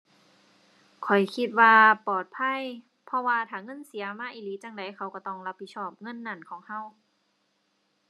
ข้อยคิดว่าปลอดภัย เพราะว่าถ้าเงินเสียมาอีหลีจั่งใดเขาก็ต้องรับผิดชอบเงินนั้นของก็